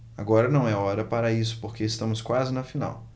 agora não é hora para isso porque estamos quase na final